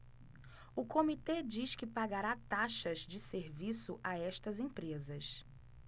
o comitê diz que pagará taxas de serviço a estas empresas